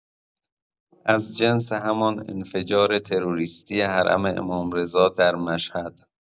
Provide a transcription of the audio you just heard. از جنس همان انفجار تروریستی حرم امام‌رضا در مشهد